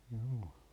juu